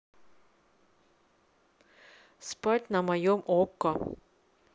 спать на моем okko